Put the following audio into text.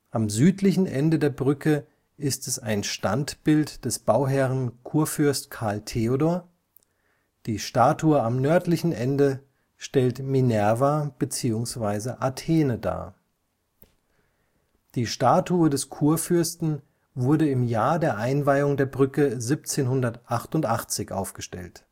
Am südlichen Ende der Brücke ist es ein Standbild des Bauherren Kurfürst Karl Theodor, die Statue am nördlichen Ende stellt Minerva bzw. Athene dar. Die Statue des Kurfürsten wurde im Jahr der Einweihung der Brücke 1788 aufgestellt